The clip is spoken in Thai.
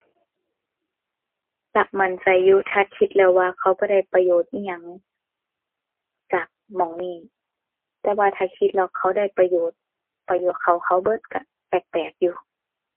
อยากมั่นใจอยู่ ถ้าคิดแล้วว่าเขาบ่ได้ประโยชน์อิหยังจากหม้องนี้ แต่ว่าถ้าคิดแล้วเขาได้ประโยชน์ ประโยชน์เข้าเขาเบิดก็แปลกแปลกอยู่